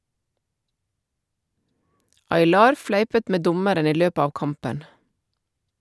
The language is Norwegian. Aylar fleipet med dommeren i løpet av kampen.